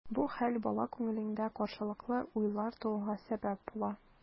Бу хәл бала күңелендә каршылыклы уйлар тууга сәбәп була.